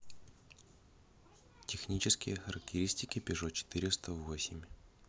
технические характеристики пежо четыреста восемь